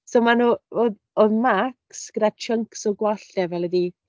So maen nhw, wel, oedd Max gyda chunks o gwallt e fel wedi